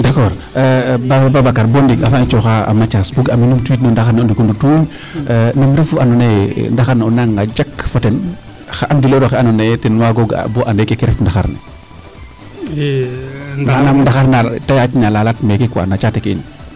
d' accord Babacar bo ndiik a refa nge o cooxa Mathiasse bug aam i numtu wiid no ndaxar ne o ndiko ndutuuñ nam refu nee ando naye ndaxar ne o nananga jaq fo ten xa an dilooraxe ando naye ten waago ga'a bo ande keeke ref ndaxar ne manaam ndaxar na te yaac na lalat meeke quoi na caate ke in